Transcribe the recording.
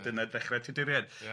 ...a dyna ddechrau Tuduriaid... Ia.